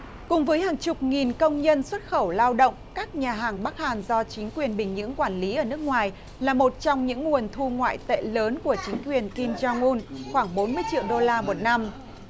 cùng với hàng chục nghìn công nhân xuất khẩu lao động các nhà hàng bắc hàn do chính quyền bình nhưỡng quản lý ở nước ngoài là một trong những nguồn thu ngoại tệ lớn của chính quyền kim dong un khoảng bốn mươi triệu đô la một năm